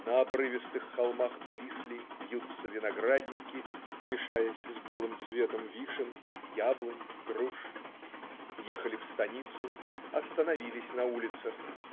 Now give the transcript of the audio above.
На обрывистых холмах повисли, вьются виноградники, мешаясь с белым цветом вишен, яблонь, груш. Въехали в станицу. Остановились на улицах.